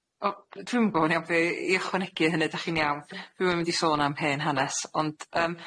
Oh, dwi'm yn gwbo'n iawn be' i i ychwanegu i hynny. Dach chi'n iawn, dwi'm yn mynd i sôn am hen hanes ond yym